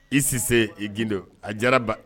I Cisse i Guindo a diyara Ba